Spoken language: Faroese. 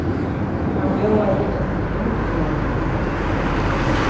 hann bjóðaði inn til fund í morgun